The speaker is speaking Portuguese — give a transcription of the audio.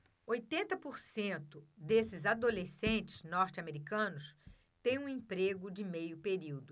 oitenta por cento desses adolescentes norte-americanos têm um emprego de meio período